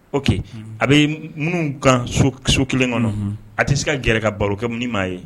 Oke a bɛ minnu ka so kelen kɔnɔ a tɛ se ka gɛrɛ ka baro kɛ mun ni m'a ye